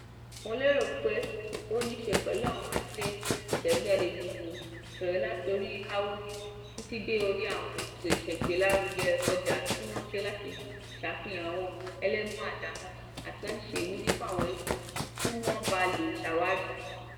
mo lérò pé ó níí ṣe pẹ̀lú àwọn ilé ìtẹ̀wéjáde tuntun, bẹ̀rẹ̀ láti orí Awoudy, títí dé orí àwọn àwọn ètò ìṣègbélárugẹ ọjà tí wọ́n ṣe láti ṣàfihàn àwọn ẹlẹ́bùn àdámọ́ àti láti ṣe ìwúrí fún àwọn yòókù kí wọ́n bà lè ṣàwárí wọn.